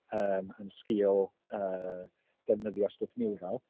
yym yn sgil yy defnyddio stwff niwral.